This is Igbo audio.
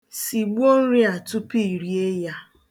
Sigbuo nri a tupu i rie ya